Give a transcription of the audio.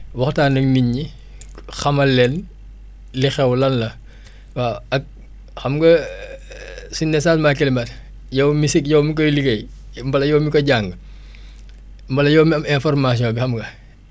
waxtaan ak nit ñi xamal leen li xaw lan la waaw ak xam nga suñ ne changement climatique yow mi si yow mi koy liggéey mbala yow mi ko jàng mbala yow mi am information bi xam nga